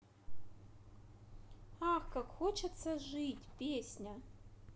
ах как хочется жить песня